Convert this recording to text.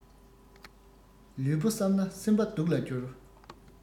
ལུས པོ བསམས ན སེམས པ སྡུག ལ སྦྱོར